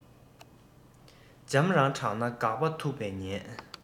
འཇམ རང དྲགས ན འགག པ ཐུག པའི ཉེན